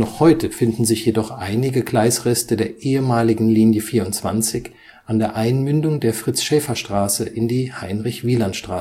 heute finden sich jedoch einige Gleisreste der ehemaligen Linie 24 an der Einmündung der Fritz-Schäffer-Straße in die Heinrich-Wieland-Straße